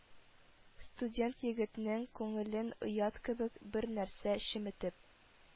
Студент егетнең күңелен оят кебек бер нәрсә чеметеп